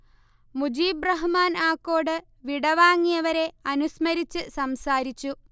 മുജീബ് റഹ്മാൻ ആക്കോട് വിടവാങ്ങിയവരെ അനുസ്മരിച്ച് സംസാരിച്ചു